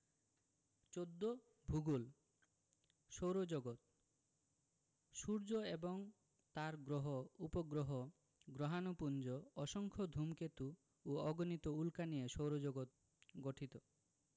১৪ ভূগোল সৌরজগৎ সূর্য এবং তার গ্রহ উপগ্রহ গ্রহাণুপুঞ্জ অসংখ্য ধুমকেতু ও অগণিত উল্কা নিয়ে সৌরজগৎ গঠিত